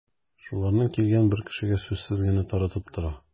Шуларны килгән бер кешегә сүзсез генә таратып тора.